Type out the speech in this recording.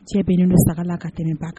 Jɛ bɛnnen don saga la ka tɛmɛ ba kan.